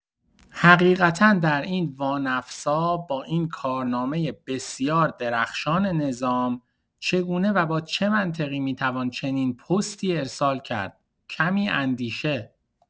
حقیقتا در این وانفسا با این کارنامه بسیار درخشان نظام، چگونه و با چه منطقی میتوان چنین پستی ارسال کرد، کمی اندیشه.